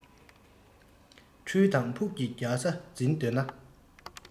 འཕྲལ དང ཕུགས ཀྱི རྒྱལ ས འཛིན འདོད ན